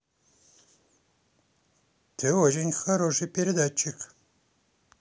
ты очень хороший передатчик